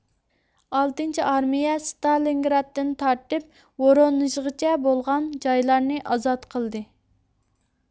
ئالتىنچى ئارمىيە ستالىنگرادتىن تارتىپ ۋورونېژغىچە بولغان جايلارنى ئازات قىلدى